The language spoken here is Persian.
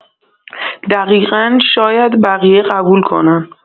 دقیقا شاید بقیه قبول کنن.